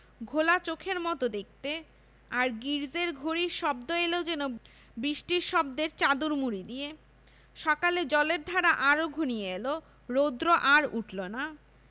ঘোলা চোখের মত দেখতে আর গির্জ্জের ঘড়ির শব্দ এল যেন বৃষ্টির শব্দের চাদর মুড়ি দিয়ে সকালে জলের ধারা আরো ঘনিয়ে এল রোদ্র আর উঠল না